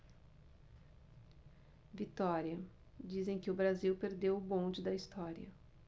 vitória dizem que o brasil perdeu o bonde da história